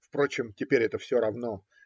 Впрочем, теперь это все равно.